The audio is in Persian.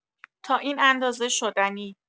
تا این اندازه شدنی!